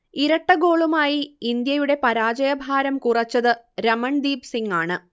ഇരട്ടഗോളുമായി ഇന്ത്യയുടെ പരാജയഭാരം കുറച്ചത് രമൺദീപ് സിങ്ങാണ്